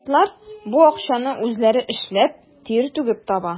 Студентлар бу акчаны үзләре эшләп, тир түгеп таба.